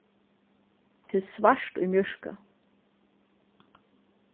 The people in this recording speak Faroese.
tað er svart í mjørka